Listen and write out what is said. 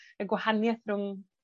Y gwahanieth rhwng